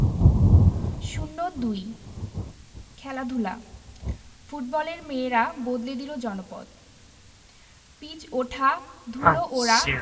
০২ খেলাধুলা ফুটবলের মেয়েরা বদলে দিল জনপদ পিচ ওঠা ধুলো ওড়া